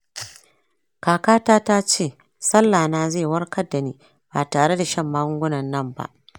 kaka ta tace sallah na zai warkar dani ba tare da magungunan nan ba.